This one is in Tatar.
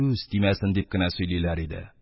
— күз тимәсен, — дип кенә сөйлиләр иде.